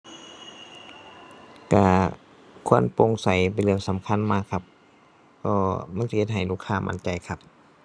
ก็ความโปร่งใสเป็นเรื่องสำคัญมากครับ ก็มันจะเฮ็ดให้ลูกค้ามั่นใจครับ